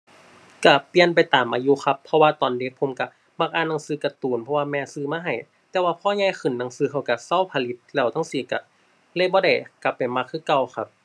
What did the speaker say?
ก็เปลี่ยนไปตามอายุครับ เพราะว่าตอนเด็กผมก็มักอ่านหนังสือการ์ตูน เพราะว่าแม่ซื้อมาให้ แต่ว่าพอใหญ่ขึ้นหนังสือเขาก็เซาผลิตแล้วจั่งซี้ ก็เลยบ่ได้กลับไปมักคือเก่าครับ